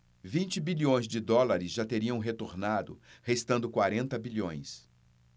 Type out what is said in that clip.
vinte bilhões de dólares já teriam retornado restando quarenta bilhões